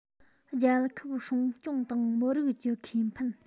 རྒྱལ ཁབ སྲུང སྐྱོང དང མི རིགས ཀྱི ཁེ ཕན